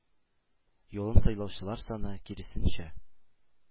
Юлын сайлаучылар саны, киресенчә,